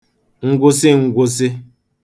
ngwụsị n̄gwụ̄sị̄